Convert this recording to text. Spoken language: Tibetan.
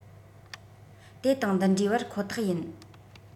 དེ དང འདི འདྲའི བར ཁོ ཐག ཡིན